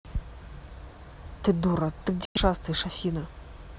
ты дура ты где шастаешь афина